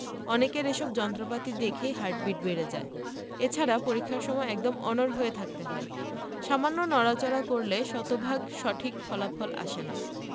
অনেকের এসব যন্ত্রপাতি দেখেই হার্টবিট বেড়ে যায় এছাড়া পরীক্ষার সময় একদম অনড় হয়ে থাকতে হয় সামান্য নড়াচড়া করলে শতভাগ সঠিক ফলাফল আসে না